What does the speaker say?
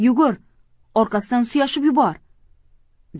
yugur orqasidan suyashib yubor